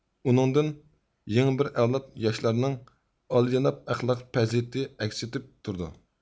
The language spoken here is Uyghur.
ئۇنىڭدىن يېڭى بىر ئەۋلاد ياشلارنىڭ ئالىيجاناب ئەخلاق پەزىلىتى ئەكس ئېتىپ تۇرىدۇ